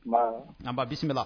Naba bisimila